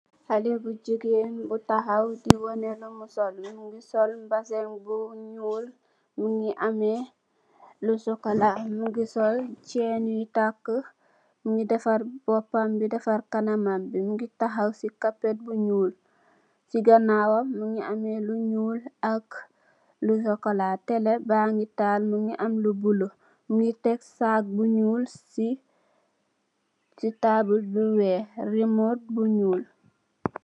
Hale bu jigeen bu tahaw di wane lumu sol, mungi sol mbaseeh bu nyuul, mungi ameh lu sokolaa, mungi sol cheen yu tak, mungi dafar bopam bi, dafar kanamam bi, mungi tahaw si kapet bu nyuul, chi ganaawam mungi ameh lu nyuul ak lu sokolaa, telle baangi taal, mungi am lu buleuh, mungi tek saak bu nyuul si taabul bu weeh, rimoot bu nyuul.